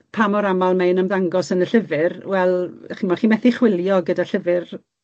pa mor amal mae'n ymddangos yn y llyfyr wel 'dych ch'mod chi methu chwilio gyda llyfyr